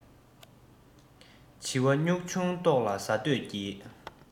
བྱི བ སྨྱུག ཆུང ལྟོགས ལ ཟ འདོད ཀྱིས